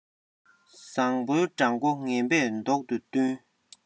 བཟང པོ དགྲ མགོ ངན པས བཟློག པས བསྟུན